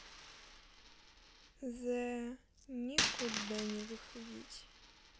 the никуда выходить